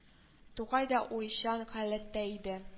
Тукай да уйчан халәттә иде